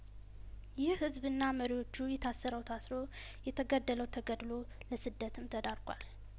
ይህ ህዝብና መሪዎቹ የታሰረው ታስሮ የተገደለው ተገድሎ ለስደትም ተዳርጓል